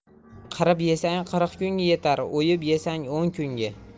qirib yesang qirq kunga yetar o'yib yesang o'n kunga